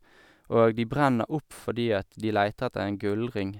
Og de brenner opp fordi at de leiter etter en gullring.